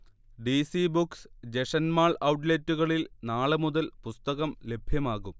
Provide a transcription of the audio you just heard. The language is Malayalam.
ഡി. സി ബുക്സ്, ജഷന്മാൾ ഔട്ട്ലെറ്റുകളിൽ നാളെ മുതൽ പുസ്തകം ലഭ്യമാകും